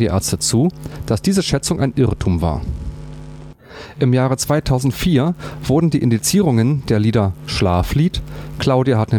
Ärzte zu, dass diese Schätzung ein Irrtum war. Im Jahre 2004 wurden die Indizierungen der Lieder „ Schlaflied “,„ Claudia